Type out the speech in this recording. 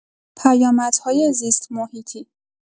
پیامدهای زیست‌محیطی